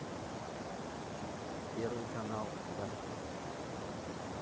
первый канал да